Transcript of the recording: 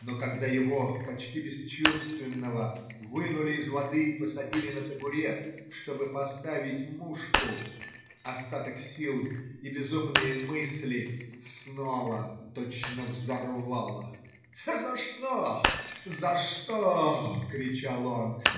Но когда его, почти бесчувственного, вынули из воды и посадили на табурет, чтобы поставить мушку, остаток сил и безумные мысли снова точно взорвало. - За что? За что? - кричал он.